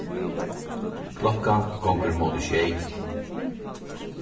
klokkan gongur ímóti sjey